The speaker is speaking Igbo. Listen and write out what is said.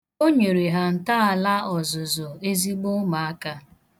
O nyere ha ntọala ọzụzụ ezigbo ụmụaka.